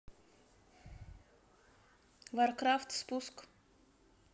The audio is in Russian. warcraft спуск